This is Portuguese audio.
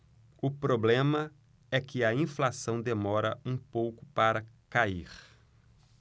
o problema é que a inflação demora um pouco para cair